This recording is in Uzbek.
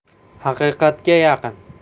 haqiqatga yaqin